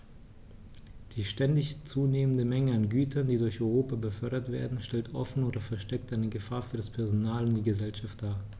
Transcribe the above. Die ständig zunehmende Menge an Gütern, die durch Europa befördert werden, stellt offen oder versteckt eine Gefahr für das Personal und die Gesellschaft dar.